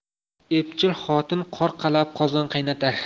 epchil xotin qor qalab qozon qaynatar